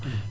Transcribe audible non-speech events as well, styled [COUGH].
[HESITATION] [HESITATION]